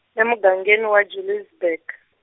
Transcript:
e mugangeni wa Julesburg.